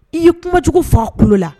I ye kuma jugu fɔ a tulo la.